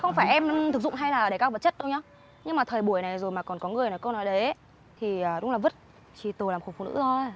không phải em thực dụng hay là đề cao vật chất đâu nhá nhưng mà thời buổi này rồi mà còn có người nói câu nói đấy ấy thì à đúng là vứt chỉ tổ làm khổ phụ nữ thôi